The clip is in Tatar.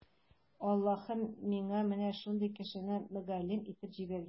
Аллаһы миңа менә шундый кешене мөгаллим итеп җибәргән.